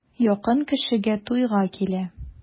Якын кешегә туйга килә.